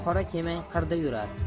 qora kemang qirda yurar